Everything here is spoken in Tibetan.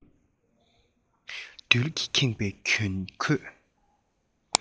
རྡུལ གྱིས ཁེངས པའི གྱོན གོས